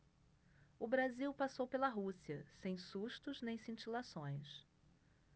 o brasil passou pela rússia sem sustos nem cintilações